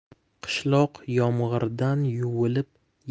qishloq yomg'irdan yuvilib